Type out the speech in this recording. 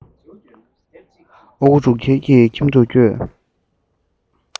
ཨ ཁུ འབྲུག རྒྱལ གྱི ཁྱིམ དུ བསྐྱོད